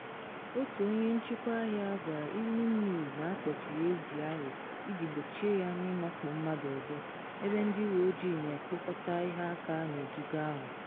Otu onye nchịkwa ahịa gwara Evening News na akpọchiri ezi ahụ iji gbochie ya na ịmakpu mmadụ ọzọ, ebe ndị uwe ojii na ekpokọta ihe aka n’ogige ahụ.